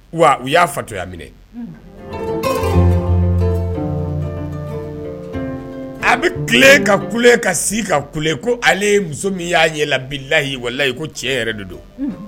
Wa u y'a fatɔya minɛ. . A bɛ kilen ka kule ka sii ka kule ko ale ye muso min y'a ɲɛla bilahi walahi ko tiɲɛ yɛrɛ de don